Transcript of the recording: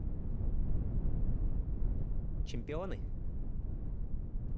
чемпионы